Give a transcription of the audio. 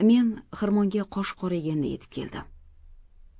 men xirmonga qosh qorayganda yetib keldim